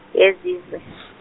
yezizwe .